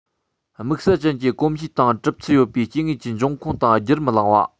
དམིགས བསལ ཅན གྱི གོམས གཤིས དང གྲུབ ཚུལ ཡོད པའི སྐྱེ དངོས ཀྱི འབྱུང ཁུངས དང བརྒྱུད རིམ གླེང བ